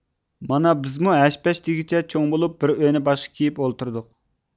مانا بىزمۇ ھەش پەش دېگۈچە چوڭ بولۇپ بىر ئۆينى باشقا كىيىپ ئولتۇردۇق